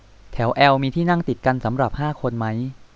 แถวแอลมีที่นั่งติดกันสำหรับห้าคนมั้ย